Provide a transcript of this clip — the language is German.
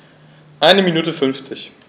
Eine Minute 50